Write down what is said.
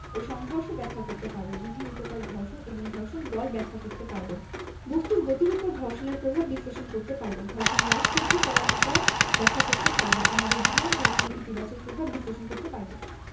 ও সংঘর্ষ ব্যাখ্যা করতে পারব বিভিন্ন প্রকার ঘর্ষণ এবং ঘর্ষণ বল ব্যাখ্যা করতে পারব বস্তুর গতির উপর ঘর্ষণের প্রভাব বিশ্লেষণ করতে পারব ঘর্ষণ হ্রাস বৃদ্ধি করার উপায় ব্যাখ্যা করতে পারব আমাদের জীবনে ঘর্ষণের ইতিবাচক প্রভাব বিশ্লেষণ করতে পারব